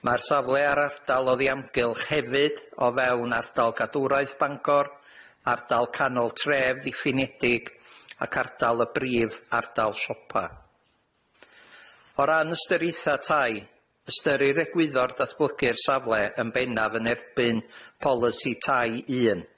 Mae'r safle ar ardal oddiamgylch hefyd o fewn ardal gadwraeth Bangor, ardal canol tref diffiniedig, ac ardal y brif, ardal siopa. O ran ystyriaetha tai, ystyrir egwyddor datblygu'r safle yn bennaf yn erbyn polisi tai un.